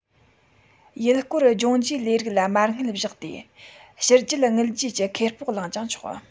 ཡུལ སྐོར ལྗོངས རྒྱུའི ལས རིགས ལ མ དངུལ བཞག སྟེ ཕྱི རྒྱལ དངུལ བརྗེས ཀྱི ཁེ སྤོགས བླངས ཀྱང ཆོག